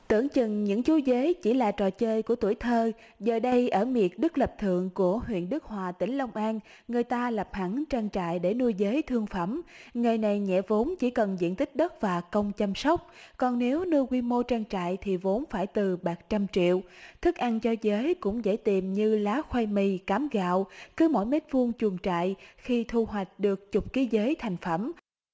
tưởng chừng những chú dế chỉ là trò chơi của tuổi thơ giờ đây ở miệt đức lập thượng của huyện đức hòa tỉnh long an người ta lập hẳn trang trại để nuôi dế thương phẩm nghề này nhẹ vốn chỉ cần diện tích đất và công chăm sóc còn nếu đưa quy mô trang trại thì vốn phải từ bạc trăm triệu thức ăn cho dế cũng dễ tìm như lá khoai mì cám gạo cứ mỗi mét vuông chuồng trại khi thu hoạch được chục ký dế thành phẩm